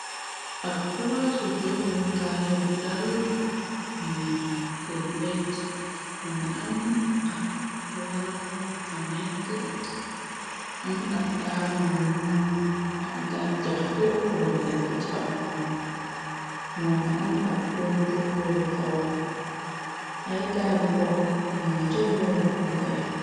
Ab plasu fixlokaay bu dal tanneex set wecc nga am ab laal bu fanekke am ab taabol bu ñyuul ak gañcax sorukobañu def ko ci ab mbalg moo nga am ab tontoori xong ay kara bu koko ño nga coboore mobakaya.